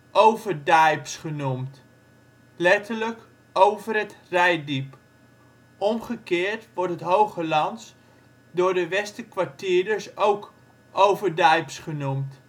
Overdaaips genoemd, letterlijk: over het (Reit) diep. Omgekeerd wordt het Hogelands door de Westerkwartierders ook Overdaaips genoemd